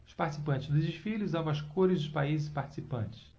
os participantes do desfile usavam as cores dos países participantes